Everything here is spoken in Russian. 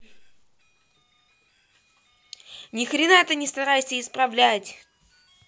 нихрена ты не старайся исправлять